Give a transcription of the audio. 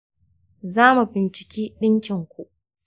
za mu binciki ɗinkin ku